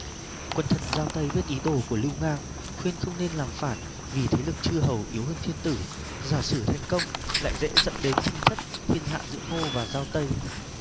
quần thần giao tây biết ý đồ của lưu ngang khuyên không nên làm phản vì thế lực chư hầu yếu hơn thiên tử giả sử thành công lại dễ dẫn đến tranh chấp thiên hạ giữa ngô và giao tây